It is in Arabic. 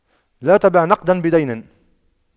لا تبع نقداً بدين